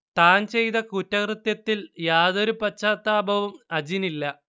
താൻ ചെയ്ത കുറ്റകൃത്യത്തിൽ യാതൊരു പശ്ചാത്താപവും അജിനില്ല